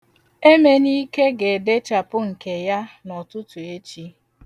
Emenike ga-adechapụ nke ya n'ụtụtụ echi.